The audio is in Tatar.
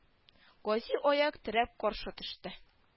Гази аяк терәп каршы төште